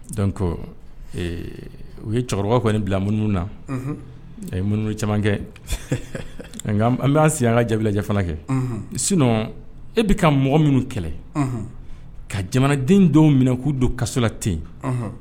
Don ko u ye cɛkɔrɔba kɔni bila minnu na minnuunu camankɛ an bɛ'an sigi an ka jabija fana kɛ sin e bɛ ka mɔgɔ minnu kɛlɛ ka jamanaden dɔw minɛ k'u don kasola ten yen